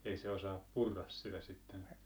ei se osaa purra sitä sitten